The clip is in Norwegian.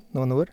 Noen år.